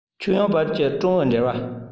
ཁྱོན ཡོངས བར གྱི ཀྲུང ཨའི འབྲེལ བ